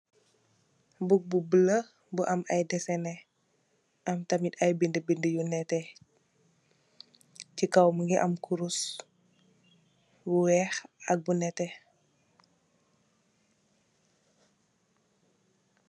Buk bu bula bu am ay desen neh am tamit ay bindi bindi yu netteh, ci kaw mugii am kurus bu wèèx ak bu netteh.